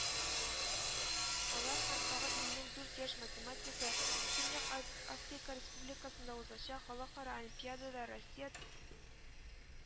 Алар һәм тагы илнең дүрт яшь математигы көньяк ап африка республикасында узачак халыкара олимпиадада россия